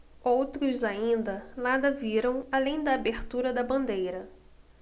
outros ainda nada viram além da abertura da bandeira